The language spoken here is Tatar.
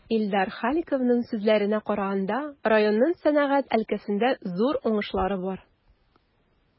Илдар Халиковның сүзләренә караганда, районның сәнәгать өлкәсендә зур уңышлары бар.